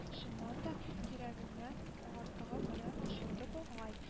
Чыннан да, кирәгеннән артыгы белән ачылды бугай